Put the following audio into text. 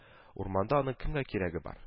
Урманда аның кемгә кирәге бар